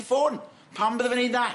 Pam bydde fe'n neud na?